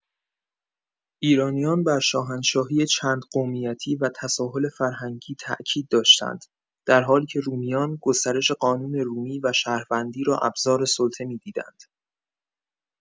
ایرانیان بر شاهنشاهی چندقومیتی و تساهل فرهنگی تأکید داشتند، در حالی که رومیان گسترش قانون رومی و شهروندی را ابزار سلطه می‌دیدند.